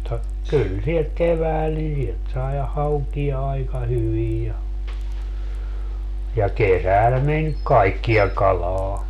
mutta kyllä siihen keväällä niin sieltä sai haukia aika hyvin ja ja kesällä meni kaikkea kalaa